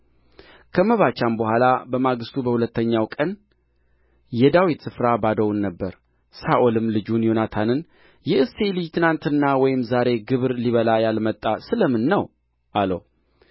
ከመባቻም በኋላ በማግሥቱ በሁለተኛው ቀን የዳዊት ስፍራ ባዶውን ነበረ ሳኦልም ልጁን ዮናታንን የእሴይ ልጅ ትናንትና ወይም ዛሬ ግብር ሊበላ ያልመጣ ስለ ምን ነው አለው